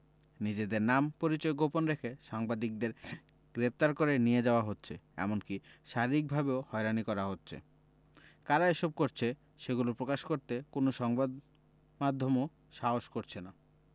নিজেদের নাম পরিচয় গোপন রেখে সাংবাদিকদের গ্রেপ্তার করে নিয়ে যাওয়া হচ্ছে এমনকি শারীরিকভাবেও হয়রানি করা হচ্ছে কারা এসব করছে সেগুলো প্রকাশ করতে কোনো সংবাদ মাধ্যমও সাহস করছে না